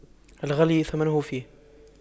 الغالي ثمنه فيه